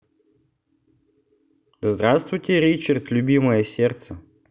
здравствуйте ричард любимое сердце